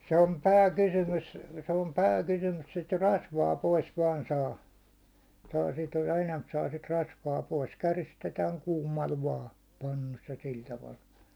se on pääkysymys se on pääkysymys sitä rasvaa pois vain saa saa sitä enempi saa sitä rasvaa pois käristetään kuumalla vain pannussa ja sillä tavalla